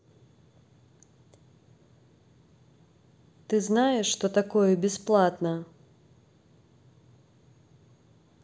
ты знаешь что такое бесплатно